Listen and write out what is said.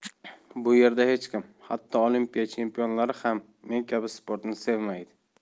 bu yerda hech kim hatto olimpiya chempionlari ham men kabi sportni sevmaydi